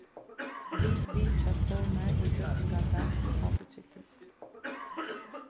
vit vitja stovnar og gjøgnumganga kt-trygdina